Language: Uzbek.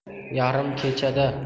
yarim kechada